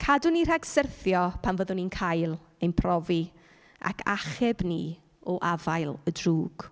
Cadw ni rhag syrthio pan fyddwn ni'n cael ein profi, ac achub ni o afael y drwg.